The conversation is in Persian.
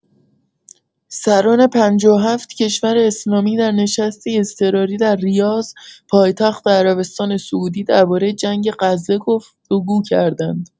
سران ۵۷ کشور اسلامی در نشستی اضطراری در ریاض، پایتخت عربستان سعودی درباره جنگ غزه گفت‌و‌گو کردند.